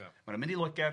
...maen nhw'n mynd i Loeger.